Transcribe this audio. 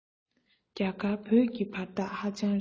རྒྱ གར བོད ཀྱི བར ཐག ཧ ཅང རིང